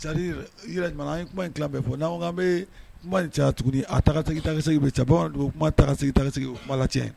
Sadiri jira an kuma in fila bɛ fɔ' an bɛ kuma in ca tuguni a tagasese cɛba bamanan don kumasesigi u kuma la cɛ